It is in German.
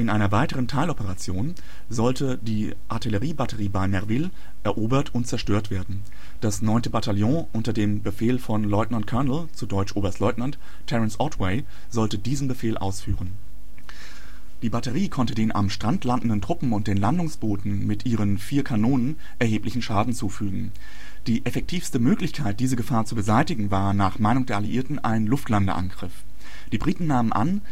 einer weiteren Teiloperation sollte die Artilleriebatterie bei Merville erobert und zerstört werden. Das 9. Bataillon unter dem Befehl von Lieutenant-Colonel (Oberstleutnant) Terence Otway sollte diesen Befehl ausführen. Die Batterie konnte den am Strand landenden Truppen und den Landungsbooten mit ihren vier Kanonen erheblichen Schaden zufügen. Die effektivste Möglichkeit, diese Gefahr zu beseitigen, war nach Meinung der Alliierten ein Luftlandeangriff. Die Briten nahmen an